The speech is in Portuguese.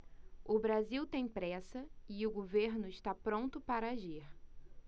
o brasil tem pressa e o governo está pronto para agir